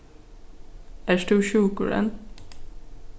ert tú sjúkur enn